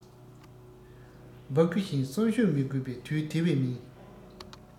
འབག སྐུ བཞིན གསོན ཤུགས མི དགོས པའི དུས དེ བས མིན